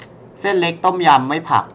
เส้นเล็กต้มยำไม่ผัก